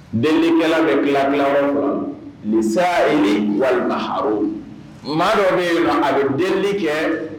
Denkɛla bɛ gabilayɔrɔ nisa i ni walimaaaro maa dɔ bɛ a bɛ den kɛ